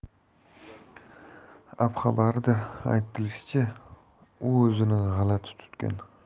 apxabarda aytilishicha u o'zini g'alati tutgan